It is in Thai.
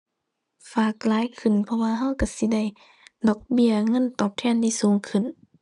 ฝากหลายขึ้น เพราะว่าเราเราสิได้ดอกเบี้ยเงินตอบแทนที่สูงขึ้น